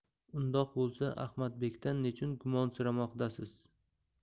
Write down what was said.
undoq bo'lsa ahmadbekdan nechun gumonsiramoqdasiz